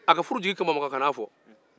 a kɛ furu jigi kama makan kan'a fo